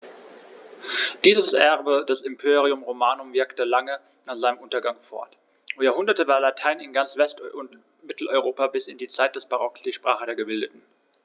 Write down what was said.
Dieses Erbe des Imperium Romanum wirkte lange nach seinem Untergang fort: Über Jahrhunderte war Latein in ganz West- und Mitteleuropa bis in die Zeit des Barock die Sprache der Gebildeten.